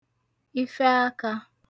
ife akā